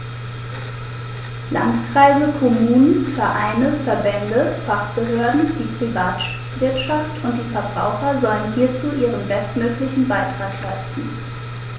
Landkreise, Kommunen, Vereine, Verbände, Fachbehörden, die Privatwirtschaft und die Verbraucher sollen hierzu ihren bestmöglichen Beitrag leisten.